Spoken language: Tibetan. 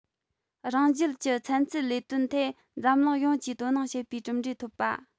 རང རྒྱལ གྱི ཚན རྩལ ལས དོན ཐད འཛམ གླིང ཡོངས ཀྱིས དོ སྣང བྱེད པའི གྲུབ འབྲས ཐོབ པ